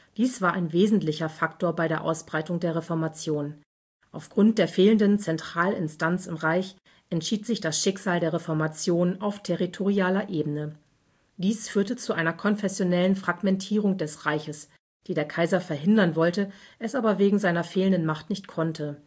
Dies war ein wesentlicher Faktor bei der Ausbreitung der Reformation. Aufgrund der fehlenden Zentralinstanz im Reich entschied sich das Schicksal der Reformation auf territorialer Ebene. Dies führte zu einer konfessionellen Fragmentierung des Reiches, die der Kaiser verhindern wollte, es aber wegen seiner fehlenden Macht nicht konnte